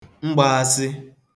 mgbāāsị̄